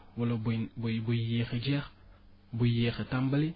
wala buy buy buy buy yéex a jeex buy yéex a tàmbali